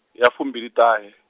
ya fumbiliṱahe.